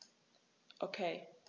Okay.